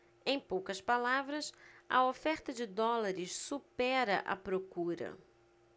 em poucas palavras a oferta de dólares supera a procura